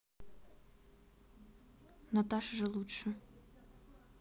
наташа же лучше